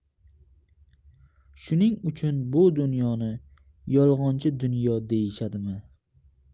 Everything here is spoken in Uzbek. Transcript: shuning uchun bu dunyoni yolg'onchi dunyo deyishadimi